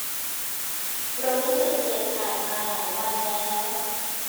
รู้สึกเจ็บไหล่มาหลายวันแล้ว